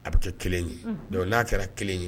A bɛ kɛ 1 ye unhun donc n'a kɛra 1 ye